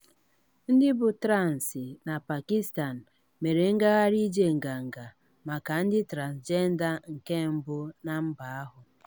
Ndị bụ traansị na Pakistan mere ngagharị ije Nganga maka Ndị Transịjenda nke mbụ na mba ahụ.